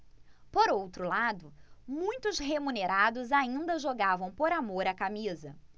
por outro lado muitos remunerados ainda jogavam por amor à camisa